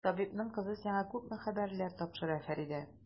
Табибның кызы сиңа күпме хәбәрләр тапшыра, Фәридә!